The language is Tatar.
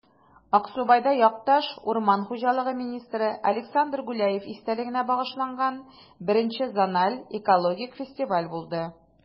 Аксубайда якташ, урман хуҗалыгы министры Александр Гуляев истәлегенә багышланган I зональ экологик фестиваль булды